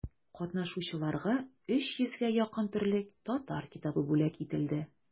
Катнашучыларга өч йөзгә якын төрле татар китабы бүләк ителде.